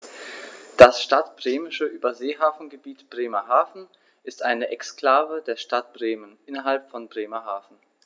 Das Stadtbremische Überseehafengebiet Bremerhaven ist eine Exklave der Stadt Bremen innerhalb von Bremerhaven.